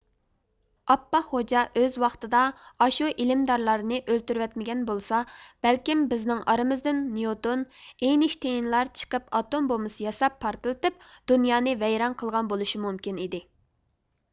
ئاپئاق غوجا ئۆز ۋاقتىدا ئاشۇ ئىلىمدارلارنى ئۆلتۈرىۋەتمىگەن بولسا بەلكىم بىزنىڭ ئارىمىزدىن نىيوتون ئېينىشتىيىنلار چىقىپ ئاتوم بومبىسى ياساپ پارتلىتىپ دۇنيانى ۋەيران قىلغان بولۇشى مۇمكىن ئىدى